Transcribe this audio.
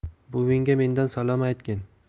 buvingga mendan salom aytgin